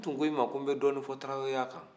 n tun k'i ma ko n bɛ dɔɔnin fɔ taraweleya kan